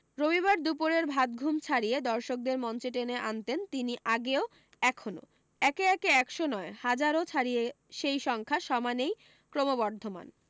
রবিবার দুপুরের ভাতঘুম ছাড়িয়ে দর্শকদের মঞ্চে টেনে আনতেন তিনি আগেও এখনও একে একে একশো নয় হাজারও ছাড়িয়ে সেই সংখ্যা সমানেই ক্রমবর্ধমান